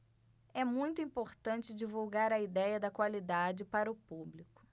é muito importante divulgar a idéia da qualidade para o público